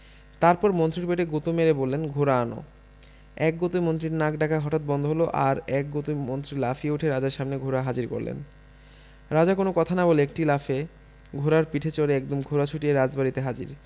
তারপর মন্ত্রীর পেটে গুতো মেরে বললেন ঘোড়া আন এক গুতোয় মন্ত্রীর নাক ডাকা হঠাৎ বন্ধ হল আর এক গুতোয় মন্ত্রী লাফিয়ে উঠে রাজার সামনে ঘোড়া হাজির করলেন রাজা কোন কথা না বলে একটি লাফে ঘোড়ার পিঠে চড়ে একদম ঘোড়া ছূটিয়ে রাজবাড়িতে হাজির